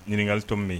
Ɲininkakali to min